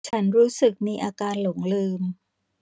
ฉันรู้สึกมีอาการหลงลืม